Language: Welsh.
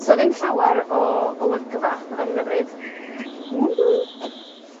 So ddim llawer o olygfa ar hyn o bryd.